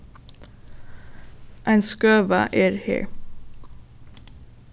ein skøva er her